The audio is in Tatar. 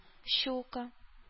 Щука